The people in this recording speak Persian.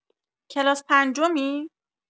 کلاس پنجمی؟